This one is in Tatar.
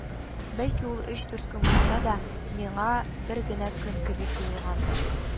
Бәлки ул өч-дүрт көн булса да, миңа бер генә көн кеби тоелгандыр